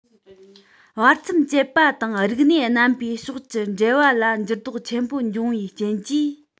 བར མཚམས བཅད པ དང རིག གནས རྣམ པའི ཕྱོགས ཀྱི འབྲེལ བ ལ འགྱུར ལྡོག ཆེན པོ བྱུང བའི རྐྱེན གྱིས